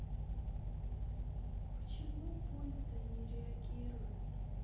почему то пульт не реагирует